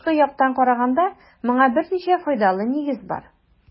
Тышкы яктан караганда моңа берничә файдалы нигез бар.